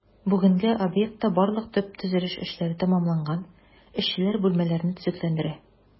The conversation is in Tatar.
Бүгенгә объектта барлык төп төзелеш эшләре тәмамланган, эшчеләр бүлмәләрне төзекләндерә.